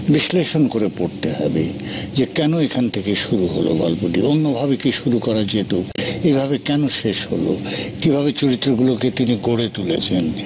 বিশ্লেষণ করে পড়তে হবে যে কেন এখান থেকে শুরু হলো গল্পটি অন্যভাবে কি শুরু করা যেত এভাবে কেন শেষ হলো কিভাবে চরিত্রগুলোকে তিনি গড়ে তুলেছেন